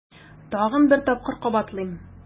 Тагын бер тапкыр кабатлыйм: